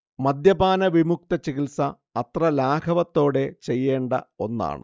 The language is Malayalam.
മദ്യപാന വിമുക്തചികിത്സ അത്ര ലാഘവത്തോടെ ചെയ്യേണ്ട ഒന്നാണ്